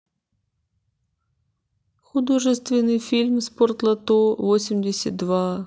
художественный фильм спортлото восемьдесят два